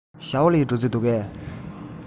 ཞའོ ལིའི འགྲོ རྩིས འདུག གས